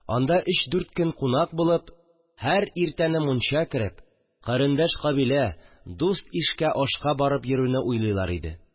Анда өч-дүрт көн кунак булып, һәр ирт әне мунча кереп, карендәш-кабилә, дуст-ишкә ашка барып йөрүне уйлайлар иде